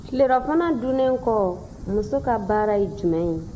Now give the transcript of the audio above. tilerɔfana dunnen kɔ muso ka baara ye jumɛn ye